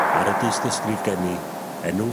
Ar y dystysgrif geni enw...